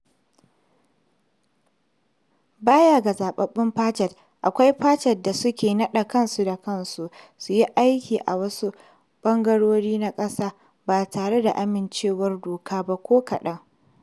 Baya ga zaɓaɓɓun Panchayat, akwai Panchayats da suke naɗa kansu da kansu su yi aiki a wasu ɓangarori na ƙasar ba tare da amincewar doka ba ko kaɗan.